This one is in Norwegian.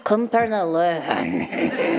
kom Pernille.